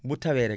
bu tawee rek